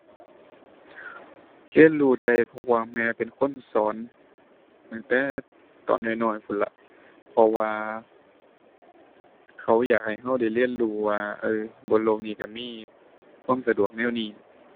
เรียนรู้ได้ เพราะว่าแม่เป็นคนสอนตั้งแต่ตอนน้อยน้อยพู้นล่ะ เพราะว่าเขาอยากให้เราได้เรียนรู้ว่า เอ่อ บนโลกนี้เรามีความสะดวกแนวนี้